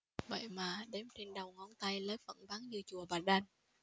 vậy mà đếm trên đầu ngón tay lớp vẫn vắng như chùa bà đanh